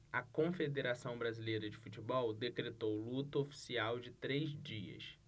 a confederação brasileira de futebol decretou luto oficial de três dias